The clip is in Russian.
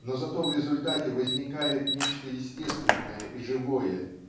но зато в результате возникает нечто естественное и живое